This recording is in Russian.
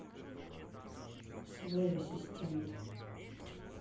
свой ассистент